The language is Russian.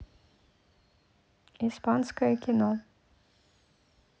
испанское кино